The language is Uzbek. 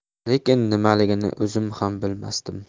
lekin nimaligini o'zim ham bilmasdim